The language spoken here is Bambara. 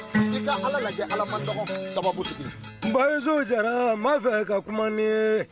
Ni ala lajɛ ala tɔgɔ sababutigi jɛra ma fɛ ka kuma